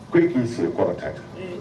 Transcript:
Ko i k'i sigi kɔrɔta kan